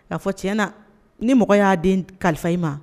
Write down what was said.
K'a fɔ tiɲɛ na ni mɔgɔ y'a den kalifa i ma?